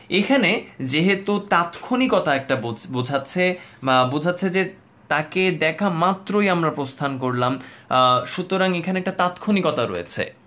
এখানে যেহেতু তাৎক্ষণিকতা একটা বোঝাচ্ছে বা বুঝাচ্ছে তাকে দেখামাত্রই আমার প্রস্থান করলাম সুতরাং এখানে একটা তাৎক্ষণিকতা রয়েছে